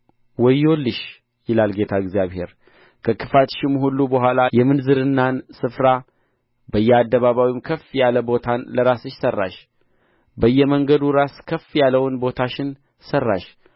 ወዮልሽ ይላል ጌታ እግዚአብሔር ከክፋትሽም ሁሉ በኋላ የምንዝርናን ስፍራ በየአደባባዩም ከፍ ያለ ቦታን ለራስሽ ሠራሽ በየመንገዱ ራስ ከፍ ያለውን ቦታሽን ሠራሽ